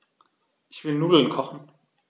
Ich will Nudeln kochen.